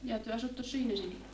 jaa te asuitte siinä silloin